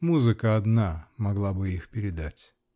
Музыка одна могла бы их передать.